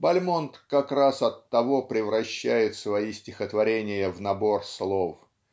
Бальмонт как раз оттого превращает свои стихотворения в набор слов.